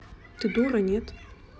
ты дура нет